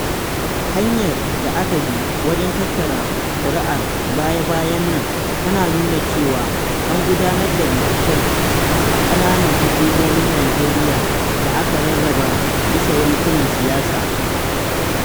Hanyar da aka bi wajen tattara ƙuri'ar baya-bayan nan ta nuna cewa, an gudanar da binciken a "ƙananan hukumomin Nijeriya da aka rarraba bisa yankunan siyasa".